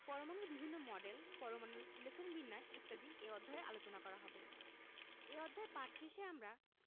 পরমাণুর বিভিন্ন মডেল পরমাণুর ইলেকট্রন বিন্যাস ইত্যাদি এ অধ্যায়ে আলোচনা করা হবে এ অধ্যায় পাঠ শেষে আমরা